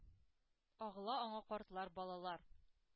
Агыла аңа картлар, балалар,